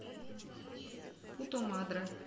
путо мадре